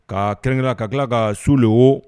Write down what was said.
Ka kɛrɛnkelen ka tila ka su de wo